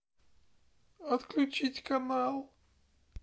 отключить канал